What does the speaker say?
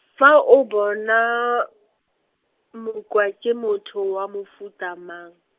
fa o bona, Mokua, ke motho wa mofuta mang?